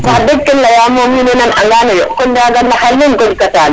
wax deg ken leya moom wiin we nan angan noyo kon yaga ndaxar leŋ godka tan